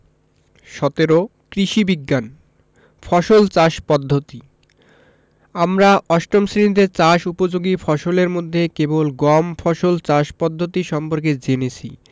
১৭ কৃষি বিজ্ঞান ফসল চাষ পদ্ধতি আমরা অষ্টম শ্রেণিতে চাষ উপযোগী ফসলের মধ্যে কেবল গম ফসল চাষ পদ্ধতি সম্পর্কে জেনেছি